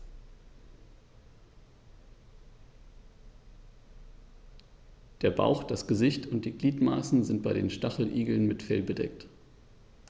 Der Bauch, das Gesicht und die Gliedmaßen sind bei den Stacheligeln mit Fell bedeckt.